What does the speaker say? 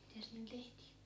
mitäs niillä tehtiin